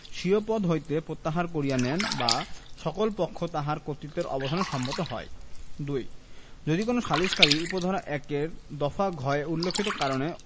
স্বীয় পদ হইতে প্রত্যাহার করিয়া নেন বা সকল পক্ষ তাহার কর্তৃত্বের অবসানে সম্মত হয় ২ যদি কোন সালিসকারী উপ ধারা ১ এর দফা ঘ এ উল্লেখিত কারণে